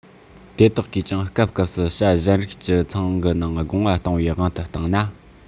དེ དག གིས ཀྱང སྐབས སྐབས སུ བྱ གཞན རིགས ཀྱི ཚང གི ནང སྒོ ང གཏོང བའི དབང དུ བཏང ན